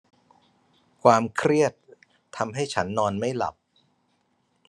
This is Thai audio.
ความเครียดทำให้ฉันนอนไม่หลับ